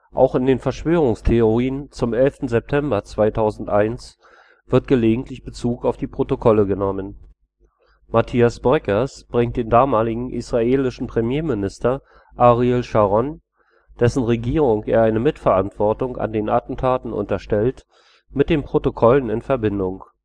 Auch in Verschwörungstheorien zum 11. September 2001 wird gelegentlich Bezug auf die Protokolle genommen. Mathias Bröckers bringt den damaligen israelischen Premierminister Ariel Sharon, dessen Regierung er eine Mitverantwortung an den Attentaten unterstellt, mit den Protokollen in Verbindung